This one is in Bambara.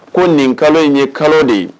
Ko nin kalo ye kalo de ye.